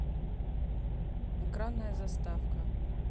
экранная заставка